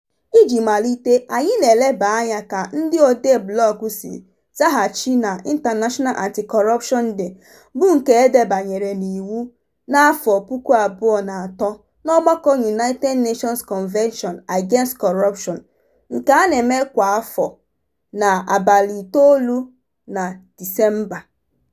Iji malite, anyị na-eleba anya ka ndị odee blọọgụ si zaghachi na International Anti-Corruption Day, bụ nke e debanyere n'iwu na 2003 n'ọgbakọ United Nations Convention against Corruption nke a na-eme kwa afọ na Disemba 9.